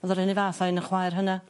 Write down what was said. O'dd o'r un un fath a un y chwaer hynna.